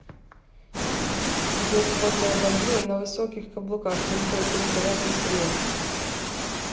идет водная бомбила на высоких каблуках мп три давай быстрее